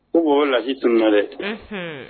Ko lahi tununna dɛ